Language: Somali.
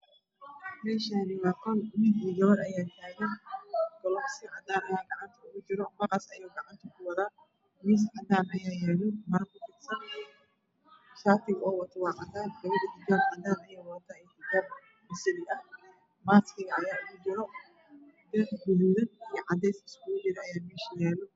Meeshaan waa qol wiil iyo gabar ayaa taagan galoofis cadaan ah ayaa gacanta ugu jiro waxuu heystaa maqas miis cadaan ah ayaa yaalo oo maro kufidsan. Shaatiga uu wato waa cadaan. Gabdha xijaab cadaan ay ayay wataan iyo xijaab basali ah. Maas ayaa wajiga ugu xiran. Weel gaduud iyo cadeys isku jira ayaa yaalo.